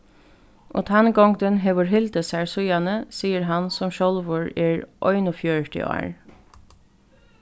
og tann gongdin hevur hildið sær síðani sigur hann sum sjálvur er einogfjøruti ár